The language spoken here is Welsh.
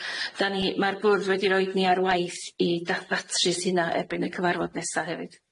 'Dan ni... Ma'r bwrdd wedi roid ni ar waith i da- ddatrys hynna e'byn y cyfarfod nesa hefyd.